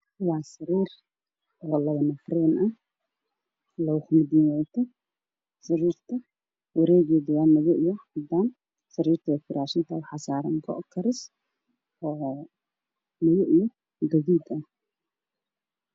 Meeshaas waxa yaalo baakad nacnac ah oo guduud io buluug isku jira ah